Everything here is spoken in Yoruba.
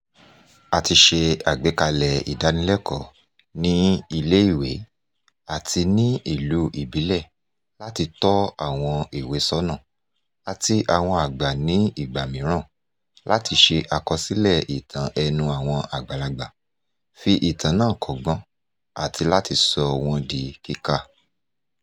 A ti ṣe àgbékalẹ̀ ìdánilẹ́kọ̀ọ́ ní ilé-ìwé àti ní ìlú ìbílẹ̀ láti tọ́ àwọn èwe sọ́nà, àti àwọn àgbà nígbà mìíràn, láti ṣe àkọsílẹ̀ ìtàn ẹnu àwọn àgbàlagbà, fi ìtàn náà kọ́gbọ́n, àti láti sọ wọ́n di kíkà.